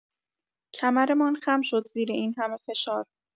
کمرمان خم شد زیر این همه فشار.